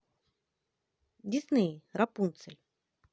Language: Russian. дисней рапунцель